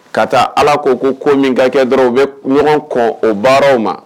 Ka taa ala k'o ko ko min ka kɛ dɔrɔn u bɛ ɲɔgɔn kɔ o baaraw ma